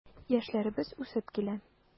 Яшьләребез үсеп килә.